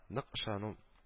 Нык ышану